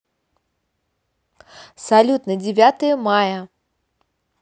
салют на девятое мая